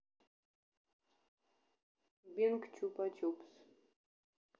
бинг чупа чупс